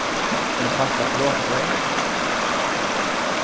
ein pakka brotbreyð